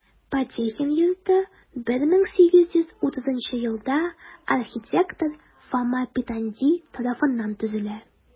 Потехин йорты 1830 елда архитектор Фома Петонди тарафыннан төзелә.